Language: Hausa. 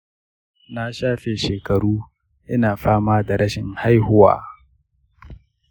na shafe shekaru ina fama da rashin haihuwa.